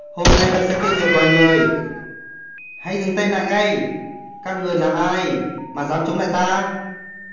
hôm nay ta sẽ tiêu diệt loài người hãy dừng tay lại ngay các ngươi là ai giám chống lại ta